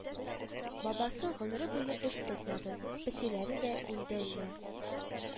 Бабасы гомере буе эт тотмады, песиләре дә инде әллә